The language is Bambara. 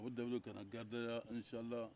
ka bɔ dabe-dabe ka na garidaya inchallah